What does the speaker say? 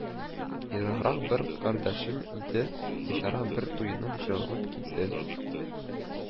– ераграк бер кардәшем иде, бичара бер туенып, җылынып китсен